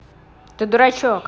ты дурачек